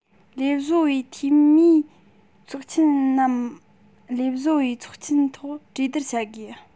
ལས བཟོ པའི འཐུས མིའི ཚོགས ཆེན ནམ ལས བཟོ པའི ཚོགས ཆེན ཐོག གྲོས བསྡུར བྱ དགོས